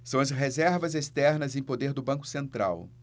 são as reservas externas em poder do banco central